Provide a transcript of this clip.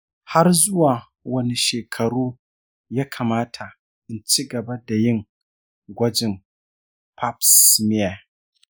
har zuwa wane shekaru ya kamata in ci gaba da yin gwajin pap smear?